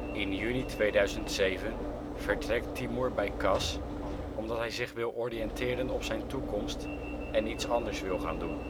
In juni 2007 vertrekt Timur bij Caz! omdat hij zich wil oriënteren op zijn toekomst en ' iets anders wil gaan doen